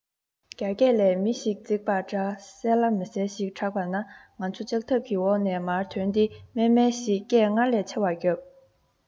རྒྱ སྐས ལས མི ཞིག འཛེགས པའི སྒྲ གསལ ལ མི གསལ ཞིག གྲགས པ ན ང ཚོ ལྕགས ཐབ ཀྱི འོག ནས མར ཐོན ཏེ མཱེ མཱེ ཞེས སྐད སྔར ལས ཆེ བར བརྒྱབ